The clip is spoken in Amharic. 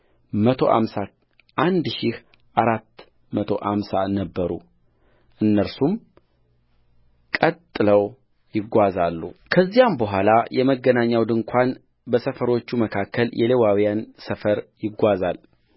መቶ አምሳ አንድ ሺህ አራት መቶ አምሳ ነበሩ እነርሱም ቀጥለው ይጓዛሉከዚያም በኋላ የመገናኛው ድንኳን በሰፈሮቹም መካከል የሌዋውያን ሰፈር ይጓዛል